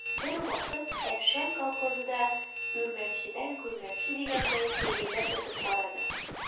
Бервакыт «Әпшән» колхозы да, үрмәкчедән күрмәкче дигәндәй, кәҗәләр тотып карады.